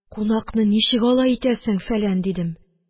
Кунакны ничек алай итәсең, фәлән, – дидем,